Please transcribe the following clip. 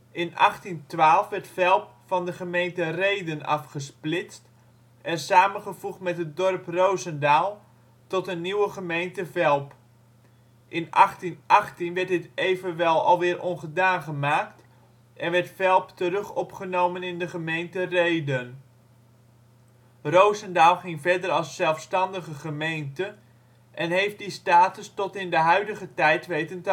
In 1812 werd Velp van de gemeente Rheden afgesplitst en samengevoegd met het dorp Rozendaal tot een nieuwe gemeente Velp. In 1818 werd dit evenwel alweer ongedaan gemaakt en werd Velp terug opgenomen in de gemeente Rheden. Rozendaal ging verder als zelfstandige gemeente en heeft die status tot in de huidige tijd weten